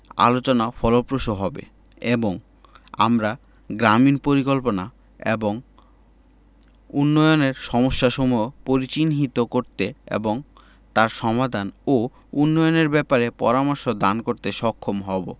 আলোচনা ফলপ্রসূ হবে এবং আমরা গ্রামীন পরিকল্পনা এবং উন্নয়নের সমস্যাসমূহ পরিচিহ্নিত করতে এবং তার সমাধান ও উন্নয়ন ব্যাপারে পরামর্শ দান করতে সক্ষম হবো